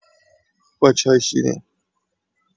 با چای شیرین